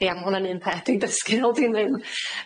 Ie ma' hwnna'n un peth. Dwi'n dysgu nol